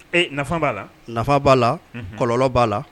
Ee b'a la nafa b'a la kɔlɔnlɔ b'a la